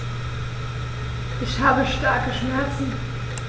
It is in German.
Ich habe starke Schmerzen.